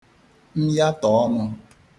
myatọ̀ ọnū